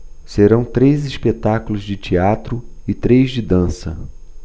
serão três espetáculos de teatro e três de dança